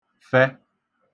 fẹ